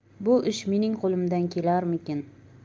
bu ish mening qo'limdan kelarmikin